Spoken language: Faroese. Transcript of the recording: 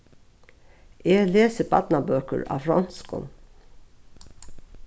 eg lesi barnabøkur á fronskum